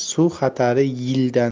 suv xatari yildan